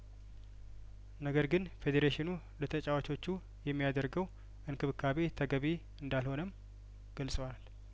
ነገር ግን ፌዴሬሽኑ ለተጨዋቾቹ የሚያደረገው እንክብካቤ ተገቢ እንዳልሆነም ገልጸዋል